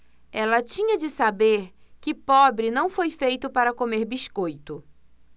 ela tinha de saber que pobre não foi feito para comer biscoito